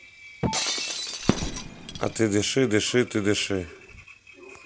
а ты дыши дыши ты дыши